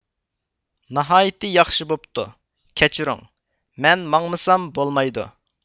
ناھايىتى ياخشى بوپتۇ كەچۈرۈڭ مەن ماڭمىسام بولمايدۇ